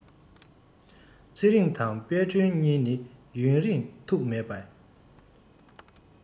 ཚེ རིང དང དཔལ སྒྲོན གཉིས ནི ཡུན རིང ཐུགས མེད པས